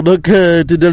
dafa mel ni moom daal